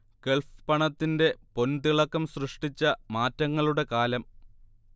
Gulf പണത്തിന്റെ പൊൻതിളക്കം സൃഷ്ടിച്ച മാറ്റങ്ങളുടെ കാലം